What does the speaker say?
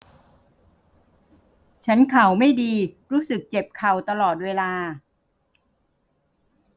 ฉันเข่าไม่ดีรู้สึกเจ็บเข่าตลอดเวลา